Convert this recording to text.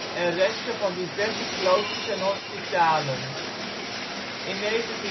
en resten van diverse kloosters en hospitalen. In 1927 werd